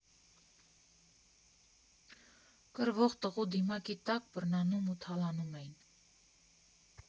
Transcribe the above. Կռվող տղու դիմակի տակ բռնանում ու թալանում էին։